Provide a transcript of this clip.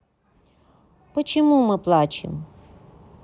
почему мы плачем